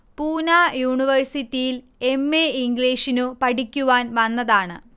പൂനാ യൂണിവേഴ്സിറ്റിയിൽ M. A English നു പഠിക്കുവാൻ വന്നതാണ്